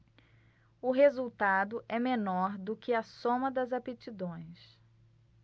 o resultado é menor do que a soma das aptidões